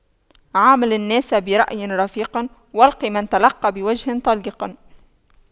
عامل الناس برأي رفيق والق من تلقى بوجه طليق